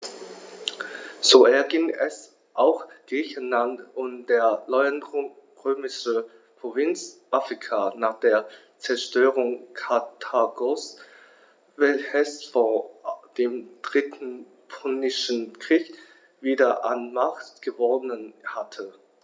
So erging es auch Griechenland und der neuen römischen Provinz Afrika nach der Zerstörung Karthagos, welches vor dem Dritten Punischen Krieg wieder an Macht gewonnen hatte.